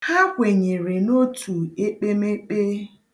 Ha kwenyere n'otu ekpemekpe.